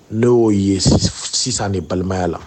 Ne y'o ye sisan ni balimaya la